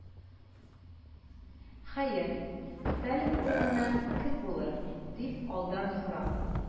Хәер, Сталин урынына кем булыр, дип, алдан юрап